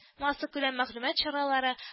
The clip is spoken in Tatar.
“массакүләм мәгълүмат чаралары”